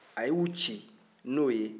a y'u ci n'o ye